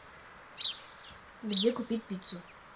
где купить пиццу